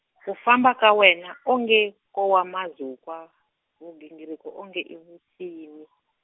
ku famba ka wena onge, ko wa mazukwa, vugingiriko onge i vunsini.